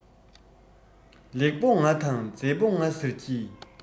ལེགས པོ ང དང མཛེས པོ ང ཟེར གྱི